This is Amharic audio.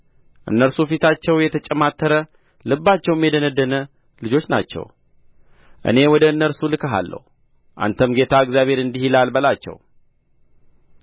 እነርሱ ፊታቸው የተጨማተረ ልባቸውም የደነደነ ልጆች ናቸው እኔ ወደ እነርሱ እልክሃለሁ አንተም ጌታ እግዚአብሔር እንዲህ ይላል በላቸው